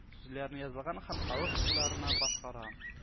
Сүзләренә язылган һәм халык җырларына башкара